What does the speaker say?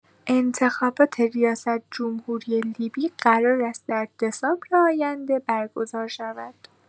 انتخابات ریاست‌جمهوری لیبی قرار است در دسامبر آینده برگزار شود.